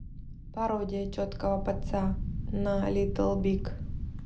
пародия четкого паца на литл биг